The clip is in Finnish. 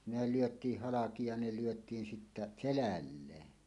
ne lyötiin halki ja ne lyötiin sitten selälleen